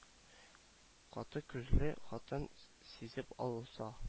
Каты күзле хатын сизеп алса